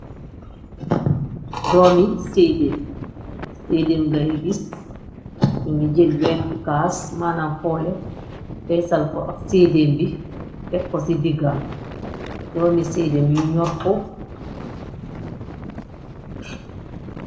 doomi dséedeem ngay bis mingi jër benn kaas manam foole feesal ko ak séedeem bi tek ko ci diggaam doomi séedem yu ñorpo